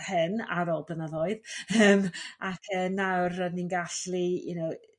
hyn ar ôl blynyddoedd yym ac nawr rydyn ni'n gallu you know